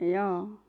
joo